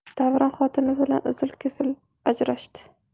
davron xotini bilan uzil kesil ajrashdi